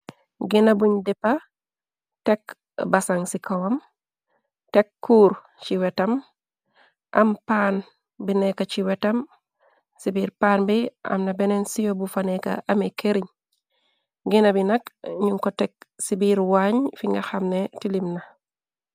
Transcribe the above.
gina buñ dippa tekk basaŋg ci kawam tekk kuur ci wetam am paan bi neeka ci wetam ci biir paan bi amna beneen siyo bu faneeka ame keriñ gina bi nak ñu ko tek ci biir waañ fi nga xamne tilim na